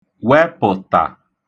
wepụ̀tà